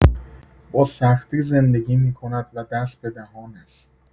با سختی زندگی می‌کند و دست به دهان است.